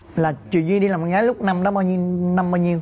là chị duy đi làm con gái lúc năm đó bao nhiêu năm bao nhiêu